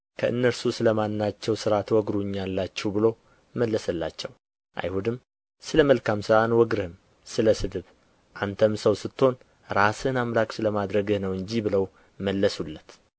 ከእነርሱ ስለ ማናቸው ሥራ ትወግሩኛላችሁ ብሎ መለሰላቸው አይሁድም ስለ መልካም ሥራ አንወግርህም ስለ ስድብ አንተም ሰው ስትሆን ራስህን አምላክ ስለ ማድረግህ ነው እንጂ ብለው መለሱለት